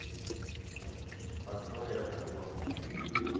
фактория животные